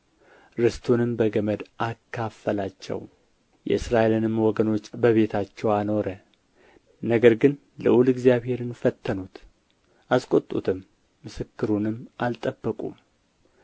ርስቱንም በገመድ አካፈላቸው የእስራኤልንም ወገኖች በቤታቸው አኖረ ነገር ግን ልዑል እግዚአብሔርን ፈተኑት አስቈጡትም ምስክሩንም አልጠበቁም